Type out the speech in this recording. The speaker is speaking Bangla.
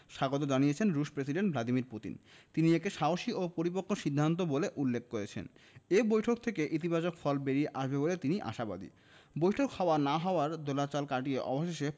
স্বাগত জানিয়েছেন রুশ প্রেসিডেন্ট ভ্লাদিমির পুতিন তিনি একে সাহসী ও পরিপক্ব সিদ্ধান্ত বলে উল্লেখ করেছেন এ বৈঠক থেকে ইতিবাচক ফল বেরিয়ে আসবে বলে তিনি আশাবাদী বৈঠক হওয়া না হওয়ার দোলাচল কাটিয়ে অবশেষে